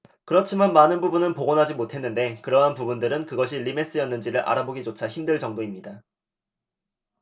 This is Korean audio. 그렇지만 많은 부분은 복원하지 못했는데 그러한 부분들은 그것이 리메스였는지를 알아보기조차 힘들 정도입니다